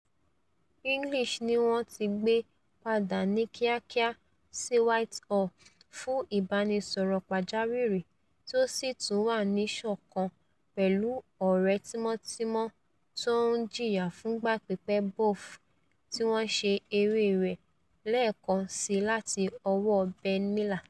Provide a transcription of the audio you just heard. English níwọn ti gbé padà ní kíákía sí Whitehall fún ìbanisọ̀rọ̀ pàjáwìrì tí ó sì túnwà níṣọ̀kan pẹ̀lú ọ̀rẹ́ tímọ́tímọ́ tóńjìyà fúngbà pípẹ́ Bough, tí wọn ṣe eré rẹ̵̀ lẹ́ẹ́kan síi láti ọwọ́ Ben Miller.